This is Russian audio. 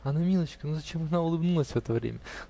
она милочка; но зачем она улыбалась в это время?